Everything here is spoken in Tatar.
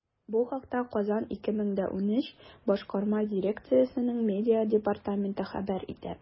Бу хакта “Казан 2013” башкарма дирекциясенең медиа департаменты хәбәр итә.